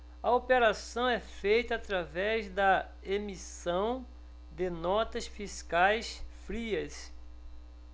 a operação é feita através da emissão de notas fiscais frias